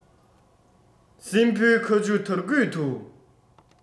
སྲིན བུའི ཁ ཆུ དར སྐུད དུ